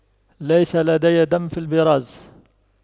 ليس لدي دم في البراز